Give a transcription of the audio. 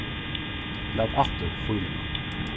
lat aftur fíluna